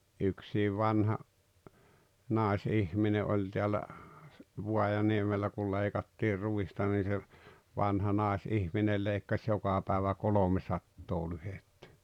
yksi vanha naisihminen oli täällä Vaajaniemellä kun leikattiin ruista niin se vanha naisihminen leikkasi joka päivä kolmesataa lyhdettä